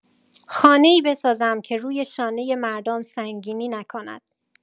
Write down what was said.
خانه‌ای بسازم که روی شانه مردم سنگینی نکند.